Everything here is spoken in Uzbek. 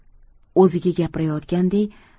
o'zi ga gapirayotgandek